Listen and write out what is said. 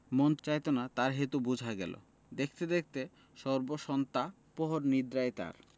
মন চাইত না তার হেতু বোঝা গেল দেখতে দেখতে সর্বসন্তাপহর নিদ্রায় তাঁর